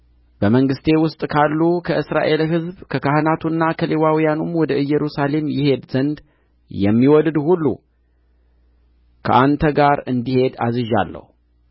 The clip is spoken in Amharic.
በመንግሥቴ ውስጥ ካሉ ከእስራኤል ሕዝብ ከካህናቱና ከሌዋውያኑም ወደ ኢየሩሳሌም ይሄድ ዘንድ የሚወድድ ሁሉ ከአንተ ጋር እንዲሄድ አዝዣለሁ